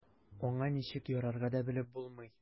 Аңа ничек ярарга да белеп булмый.